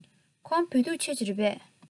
ཁོང བོད ཐུག མཆོད ཀྱི རེད པས